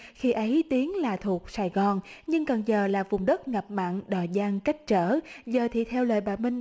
khi ấy tiếng là thuộc sài gòn nhưng cần giờ là vùng đất ngập mặn đò giang cách trở giờ thì theo lời bà minh